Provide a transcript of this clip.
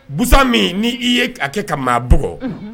Busa min n' i ye ka kɛ ka maa bɔ